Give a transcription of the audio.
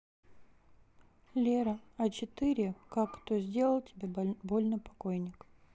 лера а четыре как кто сделал тебе больно покойник